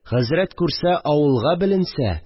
Хәзрәт күрсә, авылга беленсә